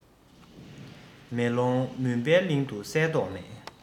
མེ ལོང མུན པའི གླིང དུ གསལ མདོག མེད